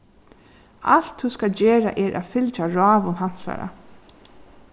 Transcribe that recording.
alt tú skalt gera er at fylgja ráðum hansara